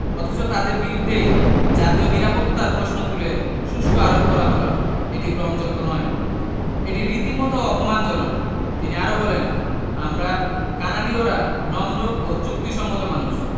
অথচ তাঁদের বিরুদ্ধেই জাতীয় নিরাপত্তার প্রশ্ন তুলে শুল্ক আরোপ করা হলো এটি গ্রহণযোগ্য নয় এটি রীতিমতো অপমানজনক তিনি আরও বলেন আমরা কানাডীয়রা নম্র ও যুক্তিসংগত মানুষ